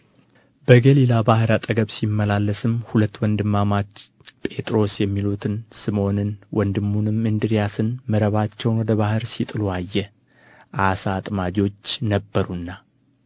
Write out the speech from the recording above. በገሊላ ባሕር አጠገብ ሲመላለስም ሁለት ወንድማማች ጴጥሮስ የሚሉትን ስምዖንን ወንድሙንም እንድርያስን መረባቸውን ወደ ባሕር ሲጥሉ አየ ዓሣ አጥማጆች ነበሩና